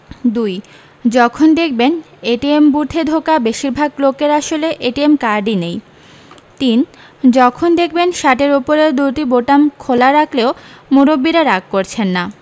২ যখন দেখবেন এটিএম বুথে ঢোকা বেশির ভাগ লোকের আসলে এটিএম কার্ডই নেই ৩ যখন দেখবেন শার্টের ওপরের দুটি বোতাম খোলা রাখলেও মুরব্বিরা রাগ করছেন না